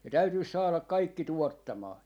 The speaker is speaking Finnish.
ne täytyisi saada kaikki tuottamaan